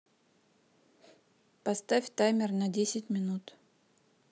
поставь таймер на десять минут